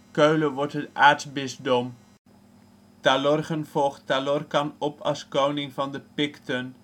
Keulen wordt een aartsbisdom Talorgen volgt Talorcan op als koning van de Picten